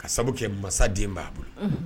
K'a sabu kɛ masa den b'a bolo unh